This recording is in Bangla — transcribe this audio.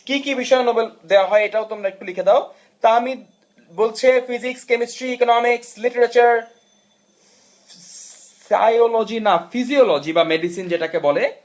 কি কি বিষয়ে নোবেল দেয়া হয় এটাও তোমার একটু লিখে দাও তাহমিদ বলছে physics chemistry economics literature psychology না ফিজিওলজি বা মেডিসিন যেটাকে বলে